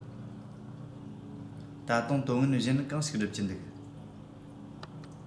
ད དུང དོན ངན གཞན གང ཞིག སྒྲུབ ཀྱིན འདུག